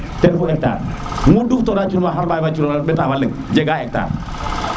ten refu hectar mu duuf tona a cum waar ɓeta fo leng jega hectar